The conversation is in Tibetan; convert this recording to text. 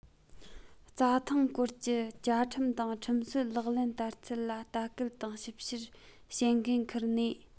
རྩྭ ཐང སྐོར གྱི བཅའ ཁྲིམས དང ཁྲིམས སྲོལ ལག ལེན བསྟར ཚུལ ལ ལྟ སྐུལ དང ཞིབ བཤེར བྱེད འགན འཁུར ནས